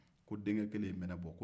ko denkɛ kelen in bɛ ne bɔ